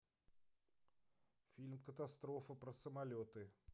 фильм катастрофа про самолеты